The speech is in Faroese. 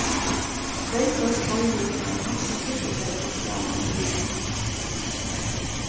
tvey fólk doyðu tá ein hækkað súkklubreyt fall saman í rio